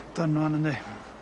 Done 'wan yndi?